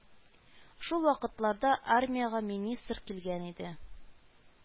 Шул вакытларда армиягә министр килгән иде